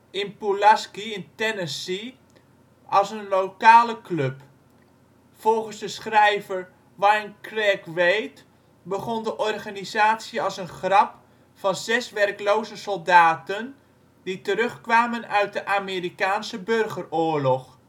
in Pulaski (Tennessee) als een lokale club. Volgens de schrijver Wyn Craig Wade begon de organisatie als een grap van zes werkloze soldaten die terugkwamen uit de Amerikaanse Burgeroorlog